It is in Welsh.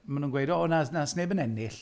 Mae nhw'n gweud "o na, na does neb yn ennill"...